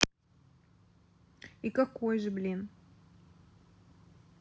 и какой же блин